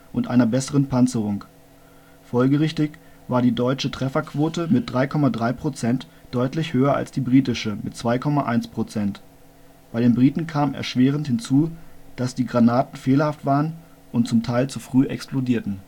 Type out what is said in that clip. und einer besseren Panzerung. Folgerichtig war die deutsche Trefferquote mit 3,3 % deutlich höher als die britische mit 2,1 %. Bei den Briten kam erschwerend hinzu, dass die Granaten fehlerhaft waren und zum Teil zu früh explodierten